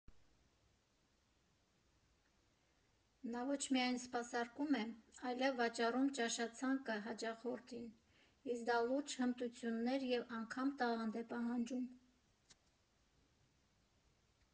Նա ոչ միայն սպասարկում է, այլև վաճառում ճաշացանկը հաճախորդին, իսկ դա լուրջ հմտություններ և անգամ տաղանդ է պահանջում։